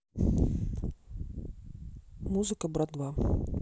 музыка брат два